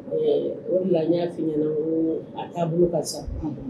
O de la n y'a fɔ i ɲɛna a taabolo ka fisa.unhun.